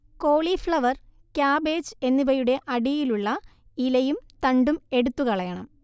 cauliflower, cabbage എന്നിവയുടെ അടിയിലുള്ള ഇലയും തണ്ടും എടുത്തുകളയണം